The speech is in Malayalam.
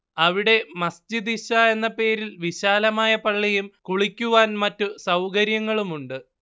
അവിടെ മസ്ജിദ് ഇശ എന്ന പേരിൽ വിശാലമായ പള്ളിയും കുളിക്കുവാൻ മറ്റു സൗകര്യങ്ങളുമുണ്ട്